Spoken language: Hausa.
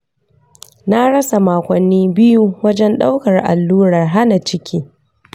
na rasa makonni biyu wajen ɗaukar allurar hana ciki.